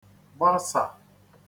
gbasà